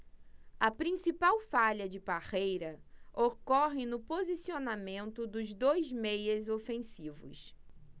a principal falha de parreira ocorre no posicionamento dos dois meias ofensivos